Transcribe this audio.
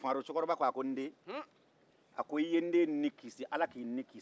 farocɛkɔrɔba ko n den i ye n den ni kisi ala k'i ni kisi